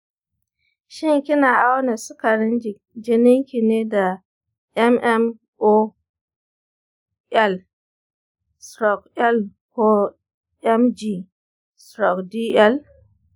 shin kina auna sukarin jininki ne da mmol/l ko mg/dl?